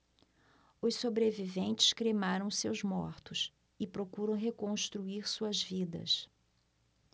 os sobreviventes cremaram seus mortos e procuram reconstruir suas vidas